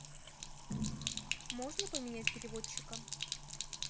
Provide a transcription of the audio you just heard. можно поменять переводчика